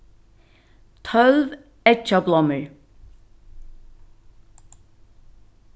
tólv eggjablommur